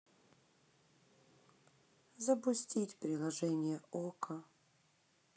запустить приложение окко